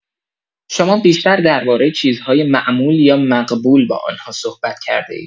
شما بیشتر درباره چیزهای معمول یا مقبول با آن‌ها صحبت کرده‌اید.